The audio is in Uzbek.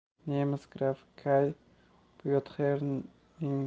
nemis grafi kay byottxerning